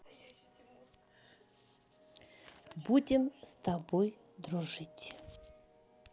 будем с тобой дружить